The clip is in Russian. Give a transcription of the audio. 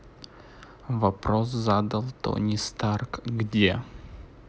вопрос задал тони старк где